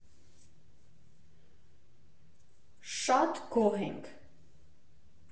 Շատ գոհ ենք։